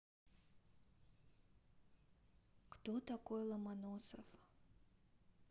кто такой ломоносов